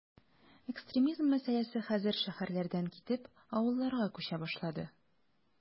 Экстремизм мәсьәләсе хәзер шәһәрләрдән китеп, авылларга “күчә” башлады.